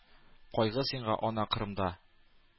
— кайгы сиңа, ана, кырымда